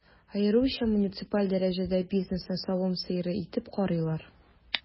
Аеруча муниципаль дәрәҗәдә бизнесны савым сыеры итеп карыйлар.